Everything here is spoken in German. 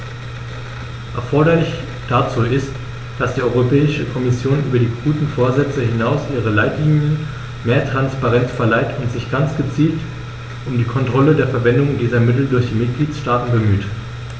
Erforderlich dazu ist, dass die Europäische Kommission über die guten Vorsätze hinaus ihren Leitlinien mehr Transparenz verleiht und sich ganz gezielt um die Kontrolle der Verwendung dieser Mittel durch die Mitgliedstaaten bemüht.